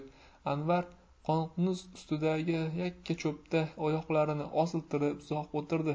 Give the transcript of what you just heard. anvar qonqus ustidagi yakkacho'pda oyoqlarini osiltirib uzoq o'tirdi